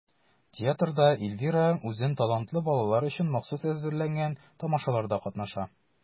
Театрда Эльвира үзен талантлы балалар өчен махсус әзерләнгән тамашаларда катнаша.